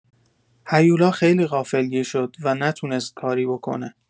هیولا خیلی غافلگیر شد و نتونست کاری بکنه.